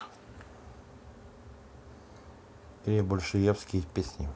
или большевиские песни